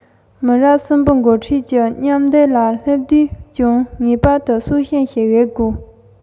དེའི ཐད འདིར བཞུགས བློ མཐུན ཚང མས ཚད མཐོའི རང རྟོགས རང བཞིན ལ བརྟེན ནས བསམ གཞིགས དང ཐག གཅོད བྱེད དགོས